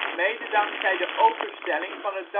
mede dankzij de openstelling van het